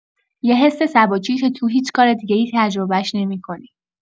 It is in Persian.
یه حس سبکی که تو هیچ کار دیگه‌ای تجربه‌اش نمی‌کنی.